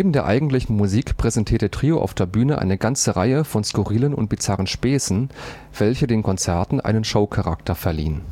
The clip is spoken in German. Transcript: der eigentlichen Musik präsentierte Trio auf der Bühne eine ganze Reihe von skurrilen und bizarren Späßen, welche den Konzerten einen Show-Charakter verliehen